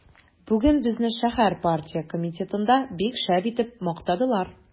Бүген безне шәһәр партия комитетында бик шәп итеп мактадылар.